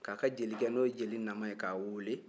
k'a ka jelikɛ n'o ye jeli naman ye k'a wele